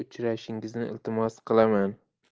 uchrashingizni iltimos qilaman